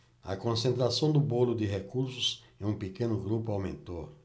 a concentração do bolo de recursos em um pequeno grupo aumentou